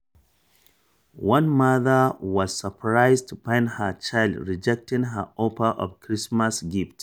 One mother was surprised to find her child rejecting her offer of a Christmas gift.